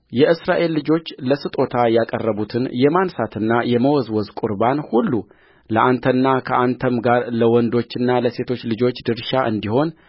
የእስራኤል ልጆች ለስጦታ ያቀረቡትን የማንሣትና የመወዝወዝ ቍርባን ሁሉ ለአንተ ከአንተም ጋር ለወንዶችና ለሴቶች ልጆችህ ድርሻ እንዲሆን